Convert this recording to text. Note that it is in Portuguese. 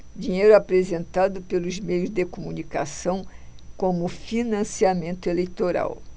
dinheiro apresentado pelos meios de comunicação como financiamento eleitoral